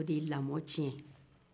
o de ye lamɔ tiɲɛ